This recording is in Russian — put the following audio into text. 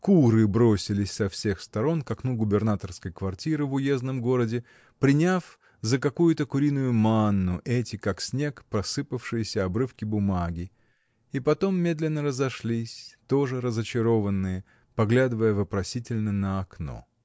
Куры бросились со всех сторон к окну губернаторской квартиры в уездном городе, приняв за какую-то куриную манну эти, как снег, посыпавшиеся обрывки бумаги, и потом медленно разошлись, тоже разочарованные, поглядывая вопросительно на окно.